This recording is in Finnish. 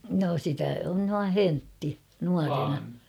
no sitä on noin höntti nuorena